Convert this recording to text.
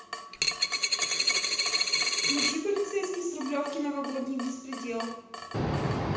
включи полицейский с рублевки новогодний беспредел